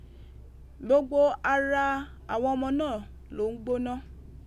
Gbogbo ara àwọn ọmọ náà ló ń gbóná.